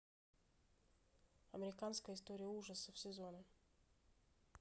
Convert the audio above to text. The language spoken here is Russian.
американская история ужасов сезоны